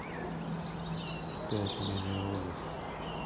пять миллионов